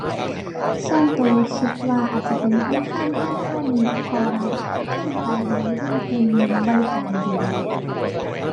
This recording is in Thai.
ส่วนตัวคิดว่าอาจสิเป็นธนาคารไทยพาณิชย์ เพราะว่าเทิงไปดู๋ เทิงเพิ่นบริการดี